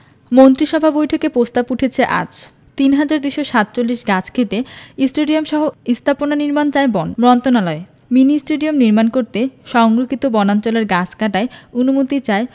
মন্ত্রিসভা বৈঠকে প্রস্তাব উঠছে আজ ৩২৪৭ গাছ কেটে স্টেডিয়ামসহ স্থাপনা নির্মাণ চায় বন মন্ত্রণালয় মিনি স্টেডিয়াম নির্মাণ করতে সংরক্ষিত বনাঞ্চলের গাছ কাটার অনুমতি চায়